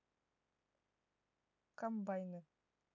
комбайны